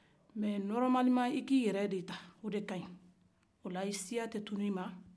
ɛ sariya la i k'i yerɛ ta o de kaɲ o la i siya tɛ tunun i ma